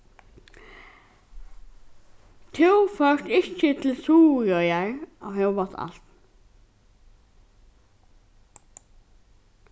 tú fórst ikki til suðuroyar hóast alt